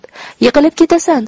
yiqilib ketasan